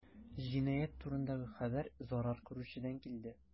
Җинаять турындагы хәбәр зарар күрүчедән килде.